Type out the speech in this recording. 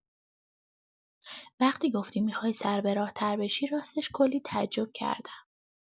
وقتی گفتی می‌خوای سربراه‌تر بشی، راستش کلی تعجب کردم.